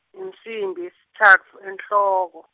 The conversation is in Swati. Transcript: insimbi yesitsatfu enhloko.